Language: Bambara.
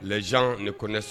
Les gens le connaissent